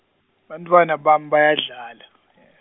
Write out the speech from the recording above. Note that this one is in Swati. bantfwana bam- bayadlala .